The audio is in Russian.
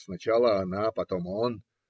сначала она, потом он